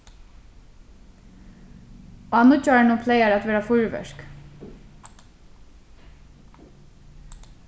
á nýggjárinum plagar at vera fýrverk